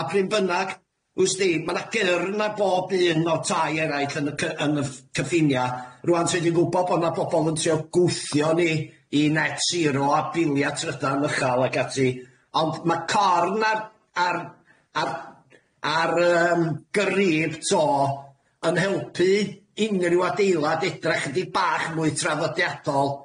A p'run bynnag w'sdi ma'na gyrn ar bob un o tai eraill yn y cy- yn y ff- cyffinia' rŵan ti'n gwbo' bo'na bobol yn trio gwthio ni i net sero a bilia' trydan uchal ag ati ond ma' corn ar ar ar yym gyrib to yn helpu unryw adeilad edrych 'chydig bach mwy traddodiadol.